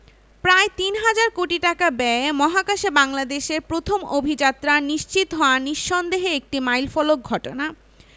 প্রায় তিন হাজার কোটি টাকা ব্যয়ে মহাকাশে বাংলাদেশের প্রথম অভিযাত্রা নিশ্চিত হওয়া নিঃসন্দেহে একটি মাইলফলক ঘটনা